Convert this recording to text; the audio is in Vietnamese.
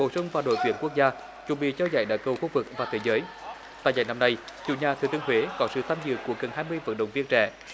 bổ sung vào đội tuyển quốc gia chuẩn bị cho giải đá cầu khu vực và thế giới tại giải năm nay chủ nhà thừa thiên huế có sự tham dự của gần hai mươi vận động viên trẻ